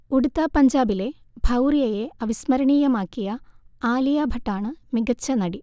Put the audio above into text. ഉഡ്താ പഞ്ചാബിലെ ഭൗറിയയെ അവിസ്മരണീയമാക്കിയ ആലിയ ഭട്ടാണ് മികച്ച നടി